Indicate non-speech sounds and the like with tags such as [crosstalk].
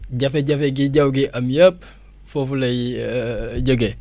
jafe-jafe gi jaww giy am yëpp foofu lay [hesitation] jógee